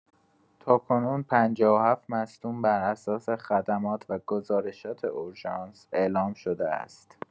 تاکنون، ۵۷ مصدوم براساس خدمات و گزارشات اورژانس اعلام شده است.